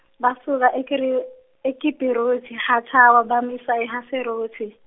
basuka eKiri- eKibiroti Hathawa bamisa eHaseroti.